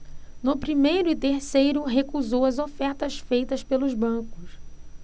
no primeiro e terceiro recusou as ofertas feitas pelos bancos